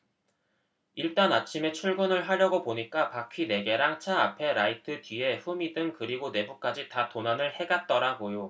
일단 아침에 출근을 하려고 보니까 바퀴 네 개랑 차 앞에 라이트 뒤에 후미등 그리고 내부까지 다 도난을 해 갔더라고요